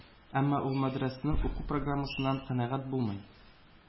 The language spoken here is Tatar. Әмма ул мәдрәсәнең уку программасыннан канәгать булмый,